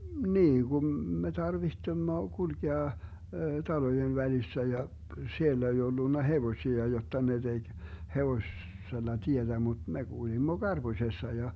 niin kuin me tarvitsemme kulkea talojen välissä ja siellä ei ollut hevosia jotta ne teki - hevosella tietä mutta me kuljimme karpusessa ja